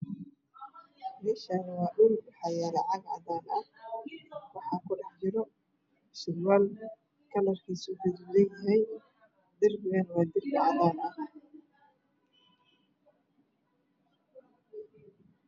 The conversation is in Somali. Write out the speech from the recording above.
Meshan waa dhul waxa yslo caag cadan ah waxa kudhexjito sarwal kalarkis gaduudan yahay darbigan waa dirbi cadan ah